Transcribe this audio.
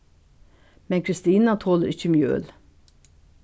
men kristina tolir ikki mjøl